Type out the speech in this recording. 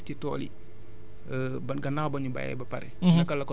maanaam yi des ci tool yi ban gannaaw ba ñu béyee ba pare